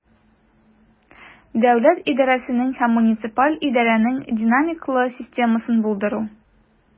Дәүләт идарәсенең һәм муниципаль идарәнең динамикалы системасын булдыру.